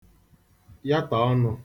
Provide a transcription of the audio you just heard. yatọ̀ ọnụ̄